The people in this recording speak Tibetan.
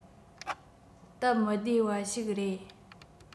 སྟབས མི བདེ བ ཞིག རེད